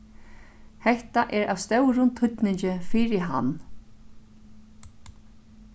hetta er av stórum týdningi fyri hann